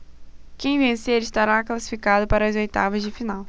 quem vencer estará classificado para as oitavas de final